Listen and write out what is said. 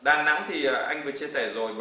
đà nẵng thì anh vừa chia sẻ rồi